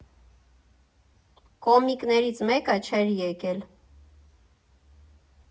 Կոմիկներից մեկը չէր եկել։